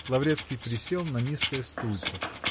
-- Лаврецкий присел на низкое стульце.